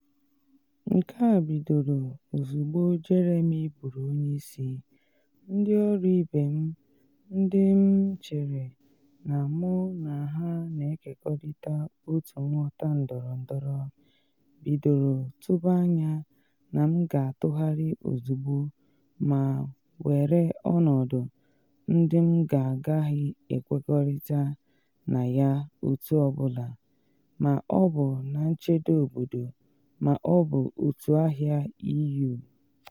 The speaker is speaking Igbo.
Nke a bidoro ozugbo Jeremy bụrụ onye isi, ndị ọrụ ibe m, ndị m chere na mụ na ha na ekekọrịta otu nghọta ndọrọndọrọ bidoro tụba anya na m ga-atụgharị ozugbo ma were ọnọdụ ndị m ga-agaghị ekwekọrịta na ya otu ọ bụla - ma ọ bụ na nchedo obodo ma ọ bụ otu ahịa EU.